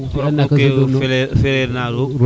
feleer feleer na a roog